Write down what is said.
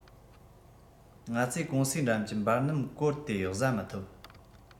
ང ཚོའི ཀུང སིའི འགྲམ གྱི འབར སྣུམ གོར དེ བཟའ མི ཐུབ